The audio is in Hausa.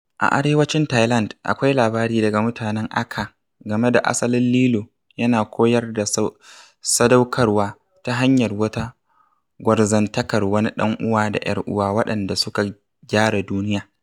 A arewacin Thailand, akwai labari daga mutanen Akha game da asalin lilo yana koyar da sadaukarwa ta hanyar wata gwarzantakar wani ɗan'uwa da 'yar'uwa waɗanda suka gyara duniya.